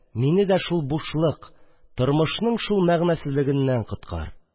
Мине дә шул бушлык, тормышның шул мәгънәсезлегеннән коткар